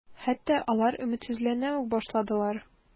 Хәтта алар өметсезләнә үк башладылар.